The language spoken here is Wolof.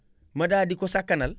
ma daal di ko sakkanal